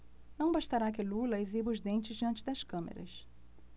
não bastará que lula exiba os dentes diante das câmeras